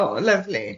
O lyfli.